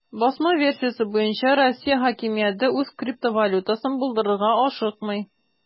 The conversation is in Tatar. Басма версиясе буенча, Россия хакимияте үз криптовалютасын булдырырга ашыкмый.